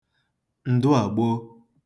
Ǹdụàgbo